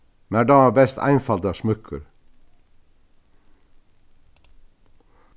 mær dámar best einfaldar smúkkur